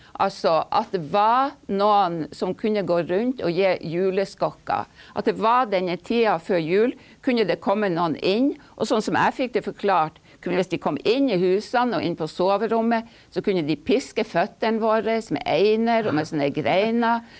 altså at det var noen som kunne gå rundt og gi juleskokker, at det var denne tida før jul kunne det komme noen inn og sånn som jeg fikk det forklart, kunne hvis de kom inn i husene og inn i soverommet, så kunne de piske føttene våre med einer og med sånn der greiner.